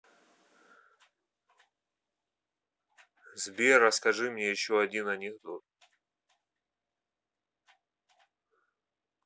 сбер расскажи мне еще один анекдот